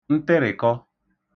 ntịrị̀kọ